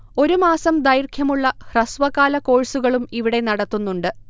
ഒരു മാസം ദൈർഘ്യമുള്ള ഹ്രസ്വകാല കോഴ്സുകളും ഇവിടെ നടത്തുന്നുണ്ട്